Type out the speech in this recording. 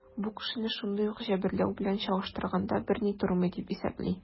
Бу кешене шундый ук җәберләү белән чагыштырганда берни тормый, дип исәпли.